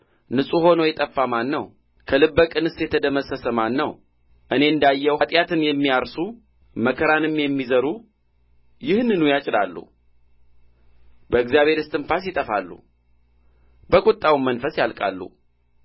ንጹሕ ሆኖ የጠፋ ማን ነው ከልበ ቅንስ የተደመሰሰ ማን ነው እኔ እንዳየሁ ኃጢአትን የሚያርሱ መከራንም የሚዘሩ ይህንኑ ያጭዳሉ በእግዚአብሔር እስትንፋስ ይጠፋሉ በቍጣውም መንፈስ ያልቃሉ